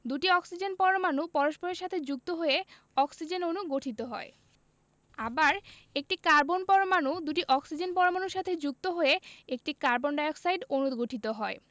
দুটি অক্সিজেন পরমাণু পরস্পরের সাথে যুক্ত হয়ে অক্সিজেন অণু গঠিত হয় আবার একটি কার্বন পরমাণু দুটি অক্সিজেন পরমাণুর সাথে যুক্ত হয়ে একটি কার্বন ডাই অক্সাইড অণু গঠিত হয়